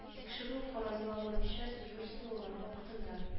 Тикшерү фаразлаганча дежурстволары вакытында